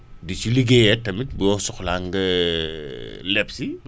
di ci liggéeyee tamit boo soxlaa nga leb si